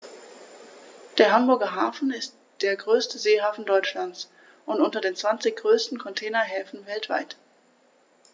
Der Hamburger Hafen ist der größte Seehafen Deutschlands und unter den zwanzig größten Containerhäfen weltweit.